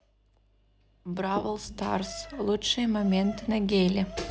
бравл старс лучшие моменты на гейле